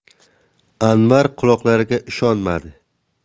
anvar quloqlariga ishonmadi